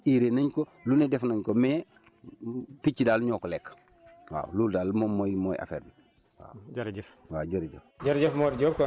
mais béy nañ ko mbéy mi ci war urée nañ ko lu ne def nañ ko mais picc daal ñoo ko lekk waa loolu daal moom mooy mooy affaire bi waaw